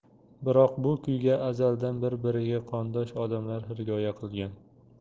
biroq bu kuyga azaldan bir biriga qondosh odamlar hirgoya qilgan